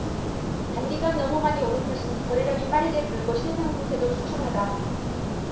단기간 너무 많이 오른 탓인지 거래량이 빠르게 줄고 시세 상승세도 주춤하다